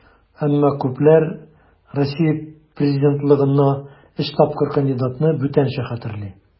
Әмма күпләр Россия президентлыгына өч тапкыр кандидатны бүтәнчә хәтерли.